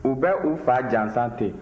u bɛ u fa jansa ten